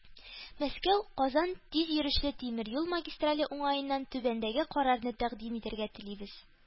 “мәскәү-казан тизйөрешле тимер юл магистрале уңаеннан түбәндәге карарны тәкъдим итәргә телибез.